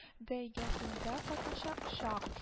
Бәйгәсендә катначачак